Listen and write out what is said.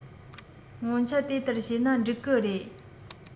སྔོན ཆད དེ ལྟར བྱས ན འགྲིག གི རེད